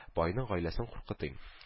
Байның гаиләсен куркытыйм